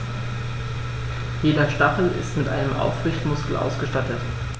Jeder Stachel ist mit einem Aufrichtemuskel ausgestattet.